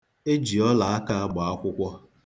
E ji ọlaaka agba akwụkwọ.